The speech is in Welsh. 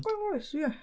wel oes ia